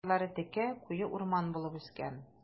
Ярлары текә, куе урман булып үскән.